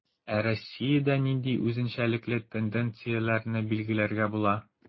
Ә Россиядә нинди үзенчәлекле тенденцияләрне билгеләргә була?